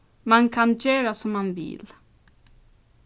mann kann gera sum mann vil